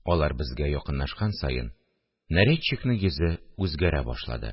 Алар безгә якынлашкан саен, нарядчикның йөзе үзгәрә башлады